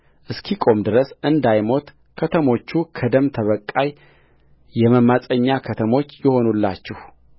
እስኪቆም ድረስ እንዳይሞት ከተሞቹም ከደም ተበቃይ የመማፀኛ ከተሞች ይሁኑላችሁ